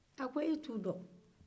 a ko e t'u dɔn